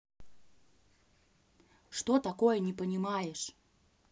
что такое не понимаешь